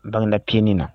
Bamanan peni na